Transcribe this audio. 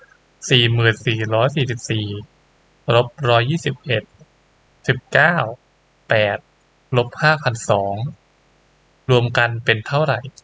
สี่หมื่นสี่ร้อยสี่สิบสี่ลบร้อยยี่สิบเอ็ดสิบเก้าแปดลบห้าพันสองรวมกันเป็นเท่าไหร่